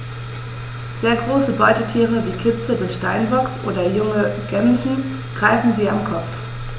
Sehr große Beutetiere wie Kitze des Steinbocks oder junge Gämsen greifen sie am Kopf.